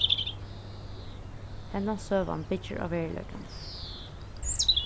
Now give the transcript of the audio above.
henda søgan byggir á veruleikan